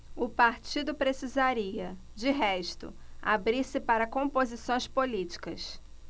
o partido precisaria de resto abrir-se para composições políticas